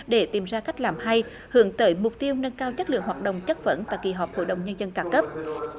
để tìm ra cách làm hay hướng tới mục tiêu nâng cao chất lượng hoạt động chất vấn tại kỳ họp hội đồng nhân dân các cấp